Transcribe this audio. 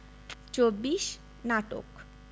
২৪ নাটক